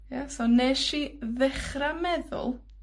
Ia? So nesh i ddechra meddwl